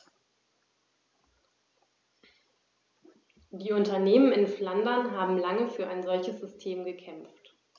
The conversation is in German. Die Unternehmen in Flandern haben lange für ein solches System gekämpft.